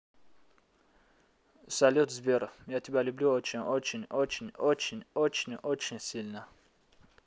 салют сбер я тебя люблю очень очень очень очень очень очень сильно